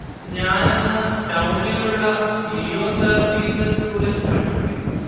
ഞാൻ അന്ന് ടൗണിൽ ഉള്ള ലീയോ തേർട്ടീന്ത് സ്കൂളിൽ പഠിക്കുന്നു